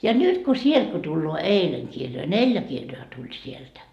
ja nyt kun sieltä kun tulee eilen kirjoja neljä kirjaa tuli sieltä